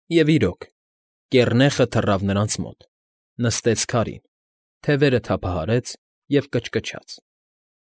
Եվ, իրոք, կեռնեխը թռավ նրանց մոտ, նստեց քարին, թևերը թափահարեց և կչկչաց։